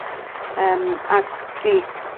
Yym ac 'di